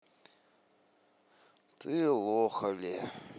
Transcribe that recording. ты лох але